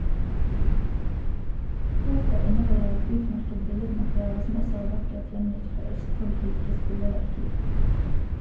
Boka inneholder et utmerket billedmateriale som også er vakkert gjengitt fra Østfold fylkes billedarkiv.